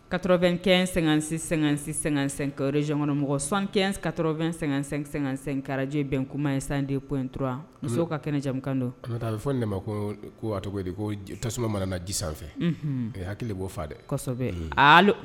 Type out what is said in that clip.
Katoɛn--sɛ-sɛsɛkayɔnmɔgɔ sanka2---sɛkaraj bɛn kuma ye san dep intura musow ka kɛnɛjakan donta a bɛ fɔ nɛ ma ko a tɔgɔ de ko tasuma mana di sanfɛfɛ ee hakili de b'o faa dɛsɔ kosɛbɛ ali